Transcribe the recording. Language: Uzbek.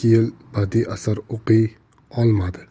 yil badiiy asar o'qiy olmadi